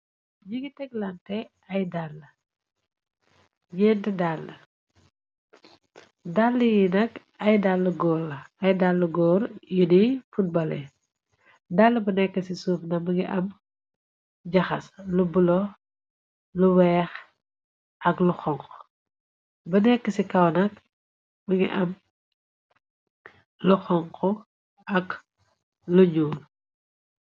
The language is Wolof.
Jigi teglante ay dall ynt dall dall yi nak ay dall góor la ay dall góor yiniy futbale dall ba nekk ci suufna mingi am jaxas lu bulo lu weex ak lu xonk ba nekk ci kawnak mingi am lu xonku ak lujuul.